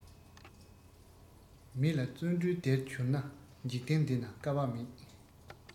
མི ལ བརྩོན འགྲུས ལྡན འགྱུར ན འཇིག རྟེན འདི ན དཀའ བ མེད